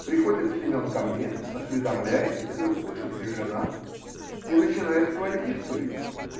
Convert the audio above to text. Приходит Семен ко мне, осведомляется, не услышит ли жена, и начинает свою исповедь.